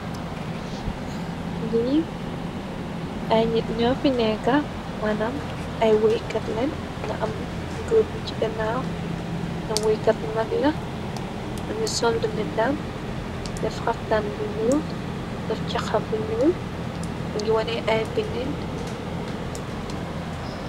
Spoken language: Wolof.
Lii ay ñit ñfi neeka manam ay wuykat lan na am gëur bi ci ganaaw dem wuykat mag la langi sol dune dam def xaftaan bu nuul def caxab bu nuul gi wone ay binet.